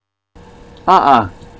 ཨ ཨ